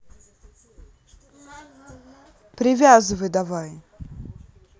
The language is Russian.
привязывай давай